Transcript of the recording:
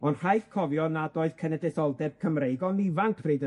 on' rhaid cofio nad oedd cenedlaetholdeb Cymreig on' ifanc pryd